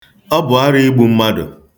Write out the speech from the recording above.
Ọ bụ arụ igbu mmadụ.